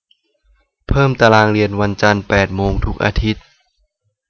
เพิ่มตารางเรียนวันจันทร์แปดโมงทุกอาทิตย์